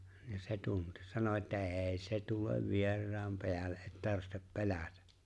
ja se tunsi sanoi että ei se tule vieraan päälle että tarvitse pelätä